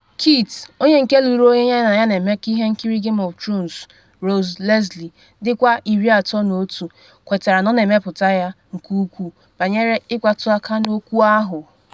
Kit, onye nke lụrụ onye ya na ya na-emekọ ihe nkiri Game of Thrones Rose Leslie, dịkwa 31, kwetara na ọ ‘na-emetụta ya nke ukwuu’ banyere ịkpatụ aka n’okwu ahụ.